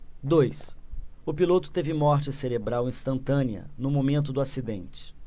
dois o piloto teve morte cerebral instantânea no momento do acidente